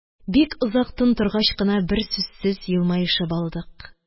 Бик озак тын торгач кына берсүзсез елмаешып алдык.